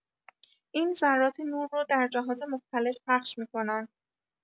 این ذرات نور رو در جهات مختلف پخش می‌کنن.